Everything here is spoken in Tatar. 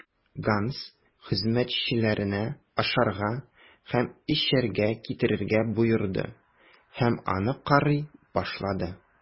Ганс хезмәтчеләренә ашарга һәм эчәргә китерергә боерды һәм аны карый башлады.